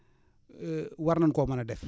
war nan koo mën a def